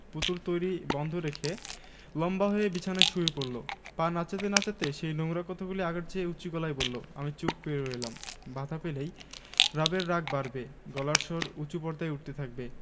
পুতুল তৈরী বন্ধ রেখে লম্বা হয়ে বিছানায় শুয়ে পড়লো পা নাচাতে নাচাতে সেই নোংরা কথাগুলি আগের চেয়েও উচু গলায় বললো আমি চুপ করে রইলাম বাধা পেলেই রাবেয়ার রাগ বাড়বে গলার স্বর উচু পর্দায় উঠতে থাকবে